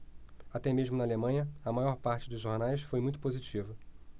até mesmo na alemanha a maior parte dos jornais foi muito positiva